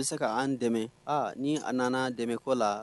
A bɛ se k'an dɛmɛ aa ni a nana dɛmɛko la